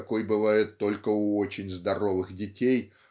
какой бывает только у очень здоровых детей